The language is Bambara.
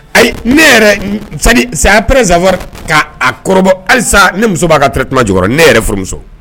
Ayi ne yɛrɛ après avoir k'a kɔrɔbɔ halisa ne muso b'a traitement jukɔrɔ ne yɛrɛ furumuso!